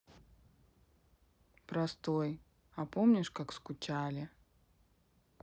простой а помнишь как скучали